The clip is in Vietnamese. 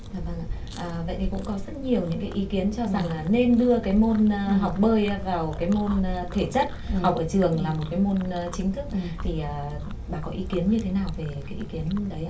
dạ vâng ạ à vậy thì cũng có rất nhiều những cái ý kiến cho rằng nên đưa cái môn học bơi vào cái môn thể chất học ở trường là một cái môn chính thức thì à bà có ý kiến như thế nào về cái kiến đấy ạ